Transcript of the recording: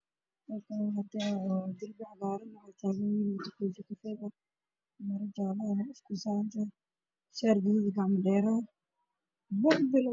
Meshan waxaa iiga muuqda boombalo wata shaati gaduud ah